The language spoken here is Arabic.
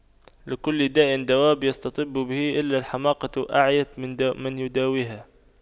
لكل داء دواء يستطب به إلا الحماقة أعيت من يداويها